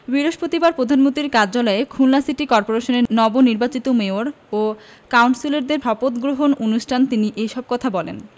বৃহস্পতিবার প্রধানমন্ত্রীর কার্যালয়ে খুলনা সিটি কর্পোরেশনের নবনির্বাচিত মেয়র ও কাউন্সিলরদের শপথগ্রহণ অনুষ্ঠানে তিনি এসব কথা বলেন